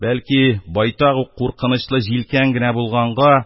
Бәлки байтак ук куркынычлы җилкән генә булганга,